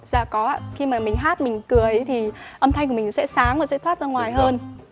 dạ có ạ khi mà mình hát mình cười ấy thì âm thanh mình sẽ sáng và sẽ thoát ra ngoài hơn